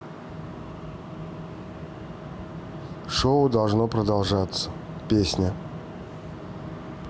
шоу должно продолжаться песня